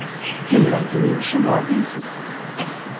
kim bilan kimning ishi bor deysiz